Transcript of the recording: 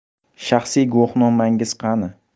shaxsiy guvohnomangiz qani